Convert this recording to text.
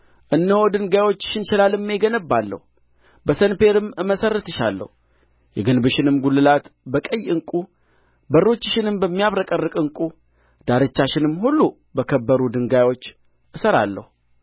እነሆ ድንጋዮችሽን ሸላልሜ እገነባለሁ በሰንፔርም እመሠርትሻለሁ የግንብሽንም ጕልላት በቀይ ዕንቍ በሮችሽንም በሚያብረቀርቅ ዕንቍ ዳርቻሽንም ሁሉ በከበሩ ድንጋዮች እሠራለሁ